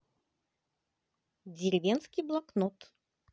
деревенский блокнот